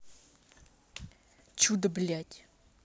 чудо блять